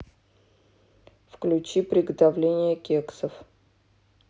выключить приготовление кексов